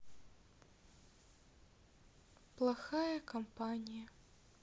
плохая компания